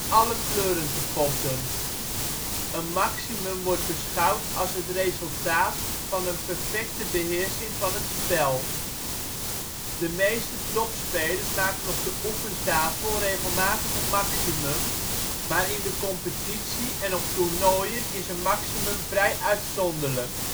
alle kleuren te potten. Een maximum wordt beschouwd als het resultaat van een perfecte beheersing van het spel. De meeste topspelers maken op de oefentafel regelmatig een maximum, maar in de competitie en op toernooien is een maximum vrij uitzonderlijk